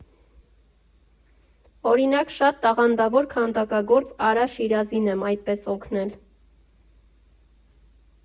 Օրինակ, շատ տաղանդավոր քանդակագործ Արա Շիրազին եմ այդպես օգնել։